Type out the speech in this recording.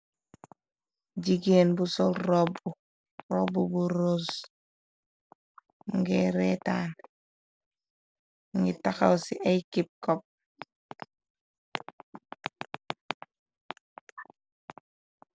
Jigéen bu sol rob bu rose ngereetaan ngi taxaw ci aykip copp.